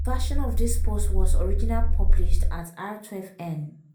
A version of this post was originally published at r12n.